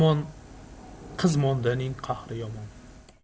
yomon qizmondaning qahri yomon